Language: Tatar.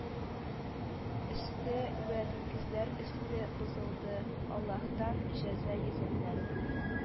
Өсте вә диңгезләр өсте бозылды, аллаһтан җәза йөзеннән